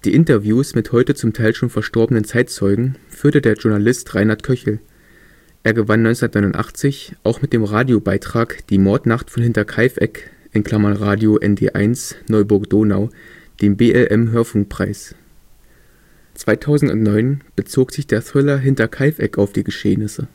Interviews mit heute zum Teil schon verstorbenen Zeitzeugen führte der Journalist Reinhard Köchl. Er gewann 1989 auch mit dem Radiobeitrag Die Mordnacht von Hinterkaifeck (Radio ND 1, Neuburg/Donau) den BLM-Hörfunkpreis. 2009 bezog sich der Thriller Hinter Kaifeck auf die Geschehnisse